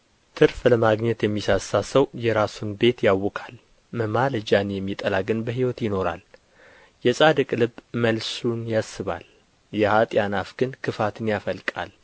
ትርፍ ለማግኘት የሚሳሳ ሰው የራሱን ቤት ያውካል መማለጃን የሚጠላ ግን በሕይወት ይኖራል የጻድቅ ልብ መልሱን ያስባል የኅጥኣን አፍ ግን ክፋትን ያፈልቃል